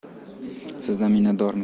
sizdan minnatdormiz